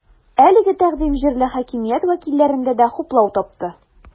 Әлеге тәкъдим җирле хакимият вәкилләрендә дә хуплау тапты.